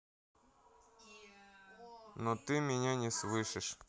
но ты меня не слышишь